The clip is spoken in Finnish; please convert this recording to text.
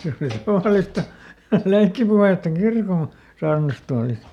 se oli tavallista leikkipuhetta kirkon saarnastuolista